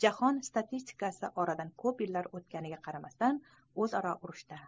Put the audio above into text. jahon statistikasi oradan ko'p yillar o'tganiga qaramasdan o'zaro urushda